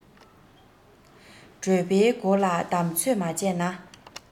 གྲོད པའི སྒོ ལ བསྡམ ཚོད མ བྱས ན